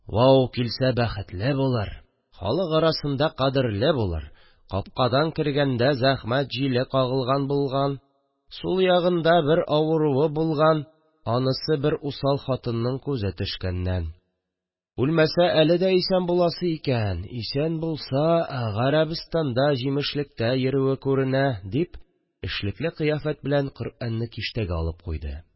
– вау килсә бәхетле булыр, халык арасында кадерле булыр, капкадан кергәндә зәхмәт җиле кагылган булган, сул ягында бер авыруы булган, анысы бер усал хатынның күзе төшкәннән. үлмәсә әле дә исән буласы икән, исән булса гарәбстанда җимешлектә йөрүе күренә, – дип, эшлекле кыяфәт белән коръәнне киштәгә алып куйды